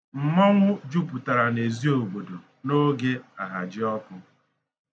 Mmọnwụ juputara n'ezi obodo n'oge Ahajiọkụ.